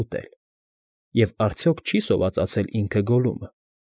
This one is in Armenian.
Ուտել֊լ, և արդյոք չի՞ սովածացել ինքը՝ Գոլլումը։